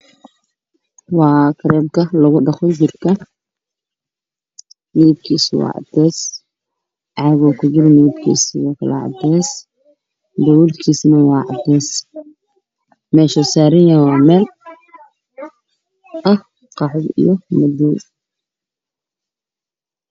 Waa kareen lagu dhaqdo jirka